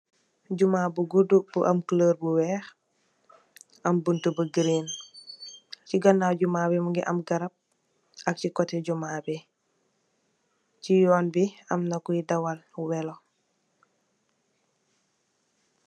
Jumaa bu gudu, bu am kuloor bu weex, am buntu bu green, si ganaaw jumaa bi mungi am garap, ak si kote jumaa bi, chi yoon bi, amna kuy dawal welo.